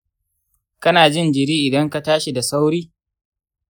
kana jin jiri idan ka tashi da sauri?